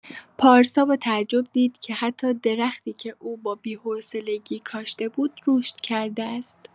پارسا با تعجب دید که حتی درختی که او با بی‌حوصلگی کاشته بود، رشد کرده است.